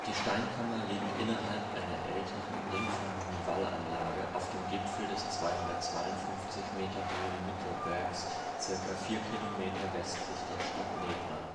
Steinkammer liegt innerhalb einer älteren, ringförmigen Wallanlage auf dem Gipfel des 252 Meter hohen Mittelbergs ca. 4 Kilometer westlich der Stadt Nebra